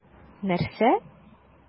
Нәрсә?!